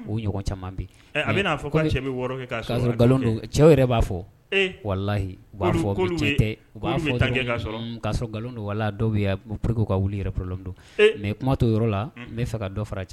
Ni ɲɔgɔn caman bɛ yen, a bina fɔ ko cɛ bɛ wɔɔrɔ kɛ, k’a sɔrɔ nkalon don cɛw yɛrɛ b'a fɔ walahi u b'a fɔ, k’olu bɛ tan kɛ k’a nkalon don a dɔw yɛrɛ bɛ yen pour que u ka wuli yɛrɛ problème don mais kuma t’o yɔrɔ la n bɛ fɛ ka dɔ fara cɛ